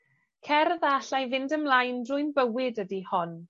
Cerdd a allai fynd ymlaen drwy'n bywyd ydi hon.